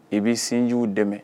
I b bɛi sinji dɛmɛ